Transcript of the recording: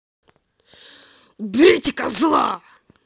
уберите козла